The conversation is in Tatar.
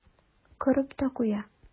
Корып та куя.